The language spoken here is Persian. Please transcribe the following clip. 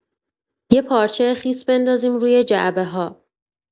یه پارچه خیس بندازیم روی جعبه‌ها.